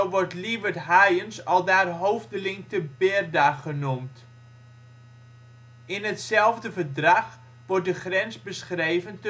wordt Liwert Hayens aldaar hoofdeling te ‘’ Berda’’ genoemd. In hetzelfde verdrag wordt de grens beschreven